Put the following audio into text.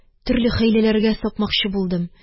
Төрле хәйләләргә сапмакчы булдым